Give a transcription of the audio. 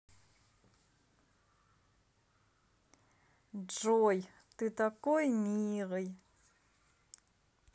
джой ты такой милый